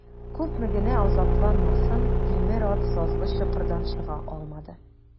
Күпме генә азапланмасын, тимер ат сазлы чокырдан чыга алмады.